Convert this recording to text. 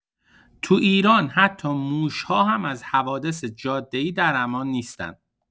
توو ایران حتی موش‌ها هم از حوادث جاده‌ای در امان نیستن.